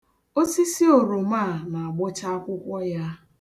Osisi oroma a na-agbụcha akwụkwọ ya.